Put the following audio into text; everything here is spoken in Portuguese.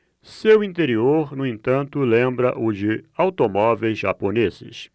seu interior no entanto lembra o de automóveis japoneses